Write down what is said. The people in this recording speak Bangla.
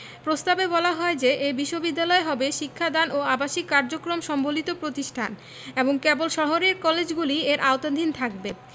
প্রস্তাবে বলা হয় যে এ বিশ্ববিদ্যালয় হবে শিক্ষাদান ও আবাসিক কার্যক্রম সম্বলিত প্রতিষ্ঠান এবং কেবল শহরের কলেজগুলি এর আওতাধীন থাকবে